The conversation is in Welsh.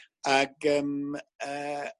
ag yym yy